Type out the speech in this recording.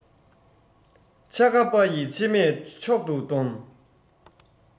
ཆ ག པ ཡི ཕྱེ མས མཆོག ཏུ སྡོམ